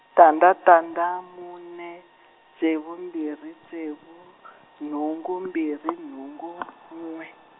tandza tandza, mune, ntsevu mbirhi ntsevu , nhungu mbirhi nhungu, n'we.